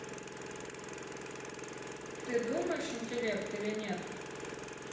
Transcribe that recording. ты думаешь интеллект или нет